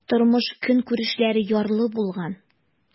Тормыш-көнкүрешләре ярлы булган.